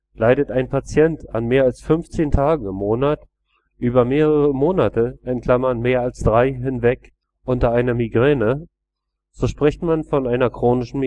Leidet ein Patient an mehr als 15 Tagen im Monat über mehrere Monate (≥ 3) hinweg unter einer Migräne, so spricht man von einer chronischen